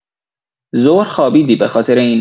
ظهر خوابیدی بخاطر اینه